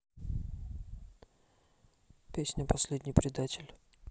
песня последний предатель